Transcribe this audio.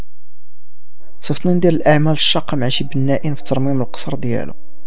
شوف لندن للاعمال الشقه العشق النائي في ترميم القصر دياله